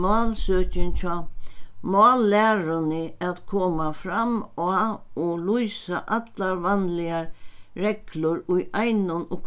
hjá mállæruni at koma fram á og lýsa allar vanligar reglur í einum og